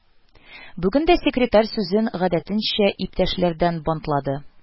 Бүген дә секретарь сүзен гадәтенчә «Иптәшләр»дән бантлады: